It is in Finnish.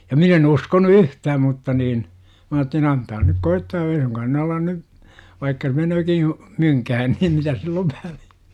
ja minä en uskonut yhtään mutta niin minä ajattelin antaa nyt koittaa ei suinkaan ne ala nyt vaikka meneekin mynkään niin mitäs sillä on väliä